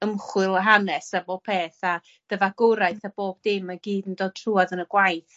ymchwil a hanes a bob peth a dy fagwraeth a bob dim mae gyd yn dod trwodd yn y gwaith.